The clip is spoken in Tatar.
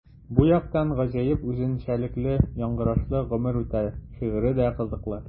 Бу яктан гаҗәеп үзенчәлекле яңгырашлы “Гомер үтә” шигыре дә кызыклы.